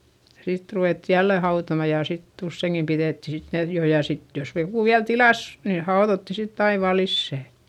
sitten ruvettiin jälleen hautomaan ja sitten useinkin pidettiin sitten ne jo ja sitten jos joku vielä tilasi niin haudottiin sitten aina vain lisää